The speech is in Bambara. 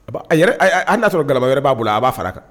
Aa y'a sɔrɔ gaba yɛrɛ b'a bolo a b'a fara a kan